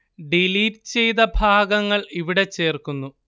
delete ചെയ്ത ഭാഗങ്ങൾ ഇവിടെ ചേർക്കുന്നു